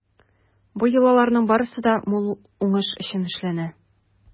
Бу йолаларның барысы да мул уңыш өчен эшләнә.